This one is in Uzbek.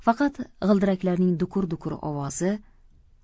faqat g'ildiraklarning dukur dukur ovozi